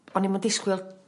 o'n i'm yn disgwyl